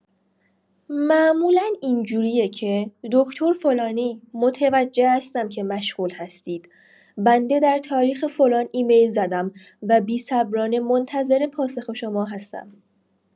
معمولا اینجوریه که دکتر فلانی متوجه هستم که مشغول هستید، بنده در تاریخ فلان ایمل زدم و بیصبرانه منتظر پاسخ شما هستم.